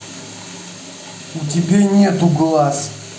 у тебя нету глаз